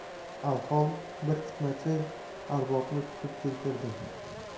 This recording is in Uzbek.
alhol bir fitnachi arbobni tutib keltirdim